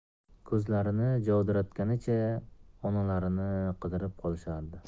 ko'zlarini jovdiratganlaricha onalarini qidirishib qolardi